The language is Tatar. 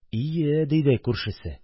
– ие! – диде күршесе.